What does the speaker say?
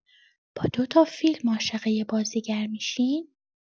با دو تا فیلم عاشق یه بازیگر می‌شین؟